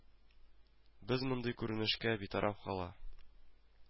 Без мондый күренешкә битараф кала